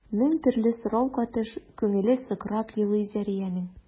Мең төрле сорау катыш күңеле сыкрап елый Зәриянең.